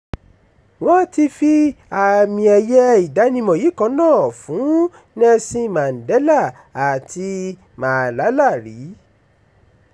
Wọ́n ti fi àmì-ẹ̀yẹ ìdánimọ̀ yìí kan náà fún Nelson Mandela àti Malala rí.